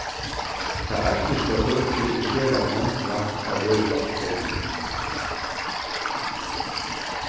tað arktiska økið er sera meint rakt av veðurlagsbroytingum